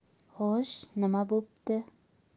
xo'sh nima bo'pti